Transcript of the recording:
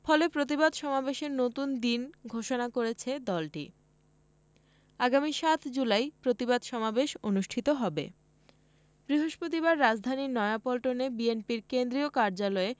ফলে প্রতিবাদ সমাবেশের নতুন দিন ঘোষণা করেছে দলটি আগামী ৭ জুলাই প্রতিবাদ সমাবেশ অনুষ্ঠিত হবে বৃহস্পতিবার রাজধানীর নয়াপল্টনে বিএনপির কেন্দ্রীয় কার্যালয়ে